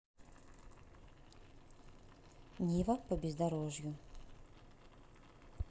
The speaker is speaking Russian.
нива по бездорожью